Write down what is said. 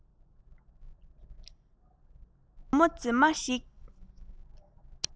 བུ མོ མཛེས མ ཞིག